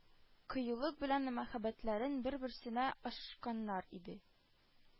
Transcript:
Кыюлык белән мәхәббәтләрен бер-берсенә ачканнар иде